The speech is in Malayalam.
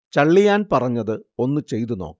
ചള്ളിയാൻ പറഞ്ഞത് ഒന്ന് ചെയ്തു നോക്കാം